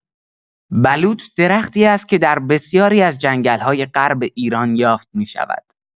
بلوط درختی است که در بسیاری از جنگل‌های غرب ایران یافت می‌شود.